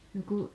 no kun